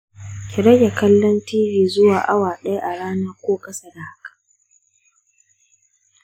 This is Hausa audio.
ki rage kallon tv zuwa awa daya a rana ko kasa da haka.